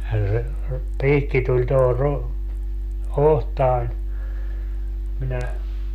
ja se piikki tuli tuohon - otsaan minä